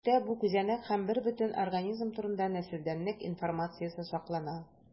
Төштә бу күзәнәк һәм бербөтен организм турында нәселдәнлек информациясе саклана.